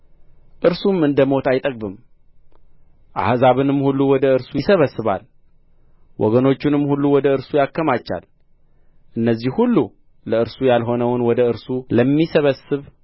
እርሱም እንደ ሞት አይጠግብም አሕዛብንም ሁሉ ወደ እርሱ ይሰበስባል ወገኖቹንም ሁሉ ወደ እርሱ ያከማቻል እነዚህ ሁሉ ለእርሱ ያልሆነውን ወደ እርሱ ለሚሰበስብ